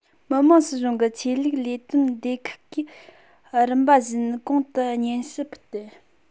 མི དམངས སྲིད གཞུང གི ཆོས ལུགས ལས དོན སྡེ ཁག གིས རིམ པ བཞིན གོང དུ སྙན ཞུ ཕུལ ཏེ